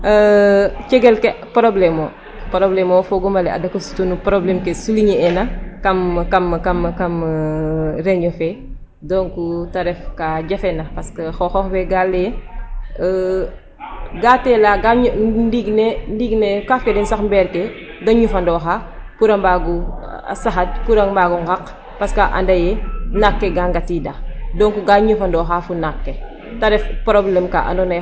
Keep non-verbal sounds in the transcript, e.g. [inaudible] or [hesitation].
[hesitation] Cegel ke probléme o probleme o foogaam ale a dak o sutu no probleme ke souligner ena kam kam kam réunion fe donc ta ref ka jafeñna parce que xooxoox we ga lay e [hesitation] gaa teelaa gaƴo ndiig ne ndiig ne kaaf ke den sax mbeerke de ñofandoxa pour a mbaago a saxad pour a mbaago nqaq .